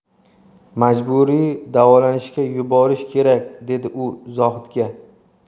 majburiy davolanishga yuborish kerak dedi u zohidga